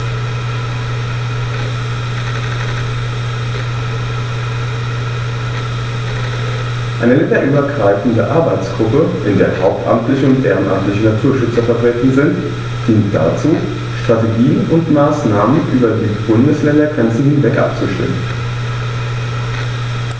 Eine länderübergreifende Arbeitsgruppe, in der hauptamtliche und ehrenamtliche Naturschützer vertreten sind, dient dazu, Strategien und Maßnahmen über die Bundesländergrenzen hinweg abzustimmen.